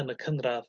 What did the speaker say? yn y cynradd